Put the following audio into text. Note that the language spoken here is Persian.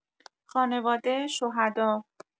خانواده شهدا